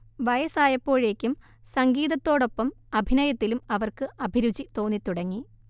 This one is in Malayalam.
വയസ്സായപ്പോഴേയ്ക്കും സംഗീതത്തോടോപ്പം അഭിനയത്തിലും അവർക്ക് അഭിരുചി തോന്നിത്തുടങ്ങി